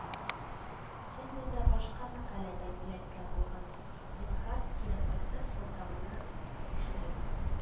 Сез монда башка мәкаләдән эләккән булсагыз, зинһар, кире кайтып сылтаманы тикшерегез